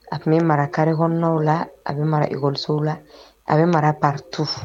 A tun bɛ mara kariɔnna la a bɛ mara ikɔso la a bɛ mara patu